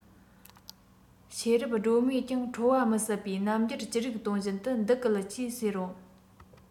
ཤེས རབ སྒྲོལ མས ཀྱང ཁྲོ བ མི ཟད པའི རྣམ འགྱུར ཅི རིགས སྟོན བཞིན དུ འདི སྐད ཅེས ཟེར རོ